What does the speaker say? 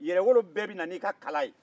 yɛrɛwolo bɛɛ bɛ na n'i ka kala ye